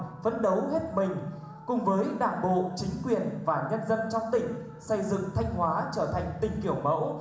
phấn đấu hết mình cùng với đảng bộ chính quyền và nhân dân trong tỉnh xây dựng thanh hóa trở thành tỉnh kiểu mẫu